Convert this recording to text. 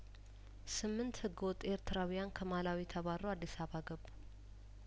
ስምንት ህገ ወጥ ኤርትራውያን ከማላዊ ተባረው አዲስአባ ገቡ